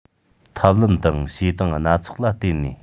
ཐབས ལམ དང བྱེད སྟངས སྣ ཚོགས ལ བརྟེན ནས